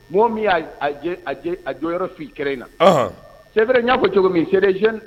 Mɔgɔ min y'a je a jɔyɔrɔ fin kɛlɛ in na, unhun, c'est vrai n y'a fɔ cogo min c'est des jeunes